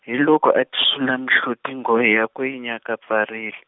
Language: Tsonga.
hi loko a tisula mihloti nghohe yakwe yi nyakapfarile.